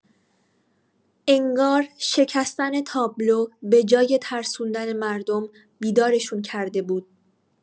انگار شکستن تابلو به‌جای ترسوندن مردم، بیدارشون کرده بود.